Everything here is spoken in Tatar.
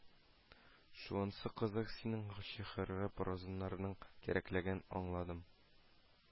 Шунысы кызык: синең «Шагыйрьгә прозаның кирәклеген аңладым»